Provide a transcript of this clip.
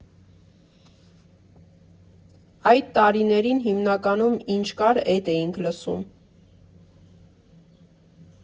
Այդ տարիներին հիմնականում ինչ կար՝ էդ էինք լսում։